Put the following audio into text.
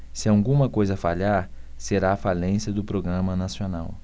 se alguma coisa falhar será a falência do programa nacional